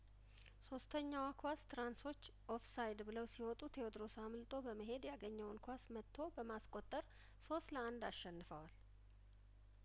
ሶስተኛዋ ኳስ ትራንሶች ኦፍሳይድ ብለው ሲወጡ ቴዎድሮስ አምልጦ በመሄድ ያገኘውን ኳስ መትቶ በማስቆጠር ሶስት ለአንድ አሸንፈዋል